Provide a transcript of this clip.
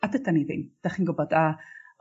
a dydan ni ddim 'dach chi'n gwbod a